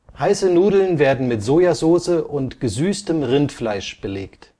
Heiße Nudeln werden mit Sojasauce und gesüßtem Rindfleisch belegt